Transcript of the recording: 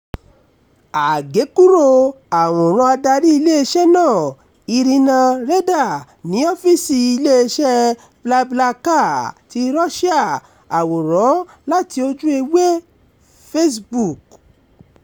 Àgékúrò àwòrán adarí iléeṣẹ́ náà, Irina Reyder ní ọ́fíìsì iléeṣẹ́ BlaBlaCar ti Russia. Àwòrán láti orí Ojú ewé. Facebook